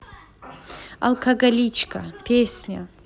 алкоголичка песня